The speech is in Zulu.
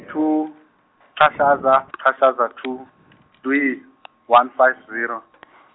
two chashaza chashaza two, dwi one five zero.